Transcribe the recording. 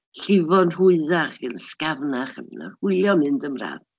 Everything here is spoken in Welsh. Llifo'n rhwyddach, yn sgafnach, yn hwylio mynd yn braf.